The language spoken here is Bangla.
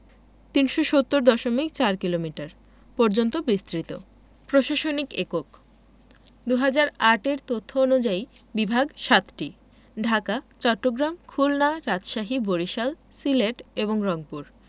৩৭০ দশমিক ৪ কিলোমিটার পর্যন্ত বিস্তৃত প্রশাসনিক এককঃ ২০০৮ এর তথ্য অনুযায়ী বিভাগ ৭টি ঢাকা চট্টগ্রাম খুলনা রাজশাহী বরিশাল সিলেট এবং রংপুর